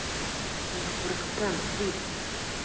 Мин курыктым, Приск.